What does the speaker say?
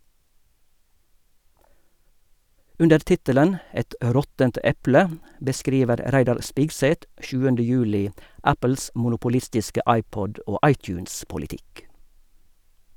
Under tittelen "Et råttent eple" beskriver Reidar Spigseth 7. juli Apples monopolistiske iPod- og iTunes-politikk.